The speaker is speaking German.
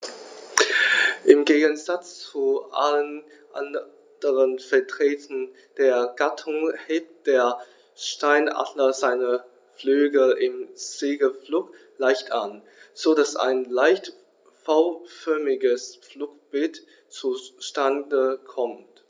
Im Gegensatz zu allen anderen Vertretern der Gattung hebt der Steinadler seine Flügel im Segelflug leicht an, so dass ein leicht V-förmiges Flugbild zustande kommt.